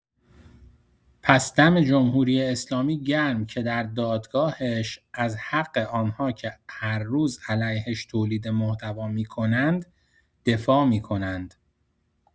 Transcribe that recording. پس دم جمهوری‌اسلامی گرم که در دادگاهش، از حق آنها که هر روز علیه ش تولید محتوا می‌کنند دفاع می‌کنند.